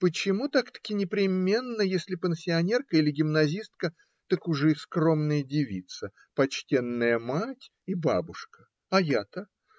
Почему так-таки непременно, если пансионерка или гимназистка, так уже и скромная девица, почтенная мать и бабушка? А я-то?